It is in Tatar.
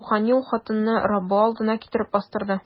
Рухани ул хатынны Раббы алдына китереп бастырсын.